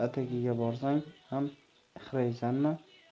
atakaga borsang ham ixraysanmi